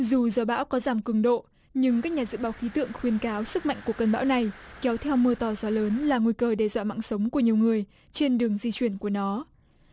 dù gió bão có giảm cường độ nhưng các nhà dự báo khí tượng khuyến cáo sức mạnh của cơn bão này kéo theo mưa to gió lớn là nguy cơ đe dọa mạng sống của nhiều người trên đường di chuyển của nó